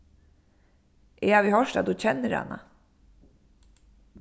eg havi hoyrt at tú kennir hana